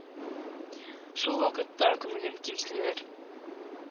Шул вакытта күңлем кимсенер.